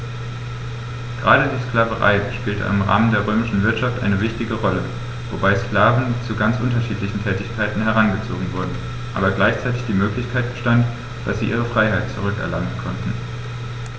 Gerade die Sklaverei spielte im Rahmen der römischen Wirtschaft eine wichtige Rolle, wobei die Sklaven zu ganz unterschiedlichen Tätigkeiten herangezogen wurden, aber gleichzeitig die Möglichkeit bestand, dass sie ihre Freiheit zurück erlangen konnten.